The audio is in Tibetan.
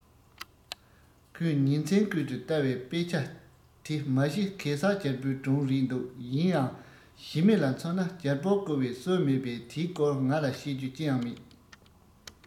ཁོས ཉིན མཚན ཀུན ཏུ ལྟ བའི དཔེ ཆ དེ མ གཞི གེ སར རྒྱལ པོའི སྒྲུང རེད འདུག ཡིན ཡང ཞི མི ལ མཚོན ན རྒྱལ པོར བསྐོ བའི སྲོལ མེད པས དེའི སྐོར ང ལ བཤད རྒྱུ ཅི ཡང མེད